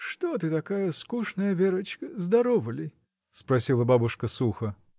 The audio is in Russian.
— Что ты такая скучная, Верочка, здорова ли? — спросила бабушка сухо.